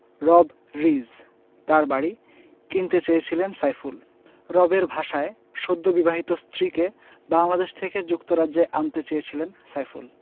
রব রিজ তাঁর বাড়ি কিনতে চেয়েছিলেন সাইফুল রবের ভাষায় সদ্যবিবাহিত স্ত্রীকে বাংলাদেশ থেকে যুক্তরাজ্যে আনতে চেয়েছিলেন সাইফুল